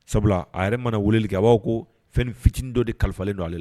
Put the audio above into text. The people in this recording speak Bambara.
Sabula a yɛrɛ mana wele ki kɛ, a ba fɔ ko fɛn fitinin dɔ de kalifalen don ale la